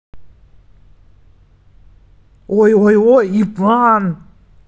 ой ой ой иван